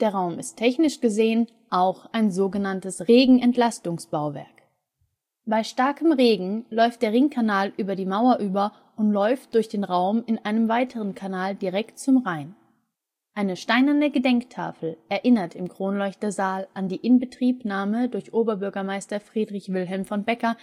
Der Raum ist technisch gesehen auch ein so genanntes „ Regenentlastungsbauwerk “. Bei starkem Regen läuft der Ringkanal über die Mauer über und läuft durch den Raum in einen weiteren Kanal direkt zum Rhein. Eine steinerne Gedenktafel erinnert im Kronleuchtersaal an die Inbetriebnahme durch Oberbürgermeister Friedrich Wilhelm von Becker